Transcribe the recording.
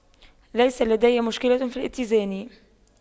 ليس لدي مشكلة في الاتزان